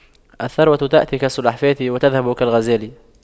الثروة تأتي كالسلحفاة وتذهب كالغزال